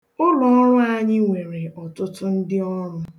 Ụlọọrụ anyị nwere ọtụtụ ndịọrụ